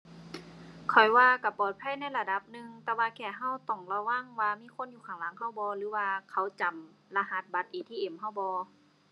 ข้อยว่าก็ปลอดภัยในระดับหนึ่ง แต่ว่าแค่ก็ต้องระวังว่ามีคนอยู่ข้างหลังก็บ่ หรือว่า เขาจำรหัสบัตร ATM ก็บ่